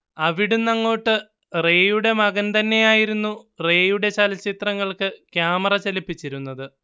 അവിടുന്നങ്ങോട്ട് റേയുടെ മകൻ തന്നെയായിരുന്നു റേയുടെ ചലച്ചിത്രങ്ങൾക്ക് ക്യാമറ ചലിപ്പിച്ചിരുന്നത്